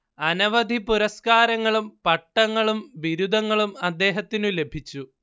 അനവധി പുരസ്കാരങ്ങളും പട്ടങ്ങളും ബിരുദങ്ങളും അദ്ദേഹത്തിനു ലഭിച്ചു